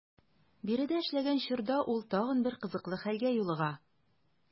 Биредә эшләгән чорда ул тагын бер кызыклы хәлгә юлыга.